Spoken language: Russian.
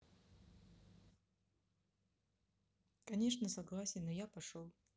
конечно согласен но я пошел